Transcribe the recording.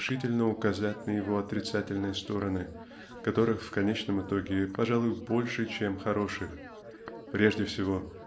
решительно указать на его отрицательные стороны которых в конечном итоге пожалуй больше чем хороших. Прежде всего